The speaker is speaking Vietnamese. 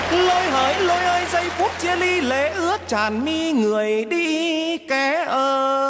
hởi lôi ơi giây phút chia ly lệ ướt tràn mi người đi kẻ ở